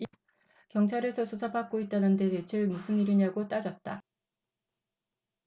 경찰에서 수사받고 있다는데 대체 무슨 일이냐고 따졌다